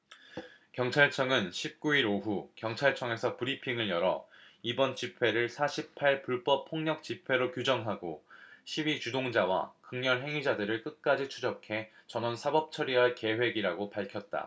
경찰청은 십 구 일 오후 경찰청에서 브리핑을 열어 이번 집회를 사 십 팔 불법 폭력 집회로 규정하고 시위 주동자와 극렬 행위자들을 끝까지 추적해 전원 사법처리할 계획이라고 밝혔다